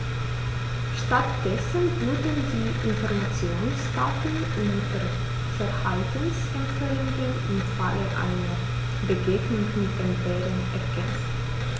Stattdessen wurden die Informationstafeln um Verhaltensempfehlungen im Falle einer Begegnung mit dem Bären ergänzt.